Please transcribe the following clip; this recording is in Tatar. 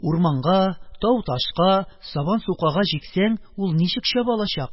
Урманга, тау-ташка, сабан-сукага җиксәң, ул ничек чаба алачак?